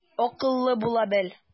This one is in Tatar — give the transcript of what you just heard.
Акыллы була бел.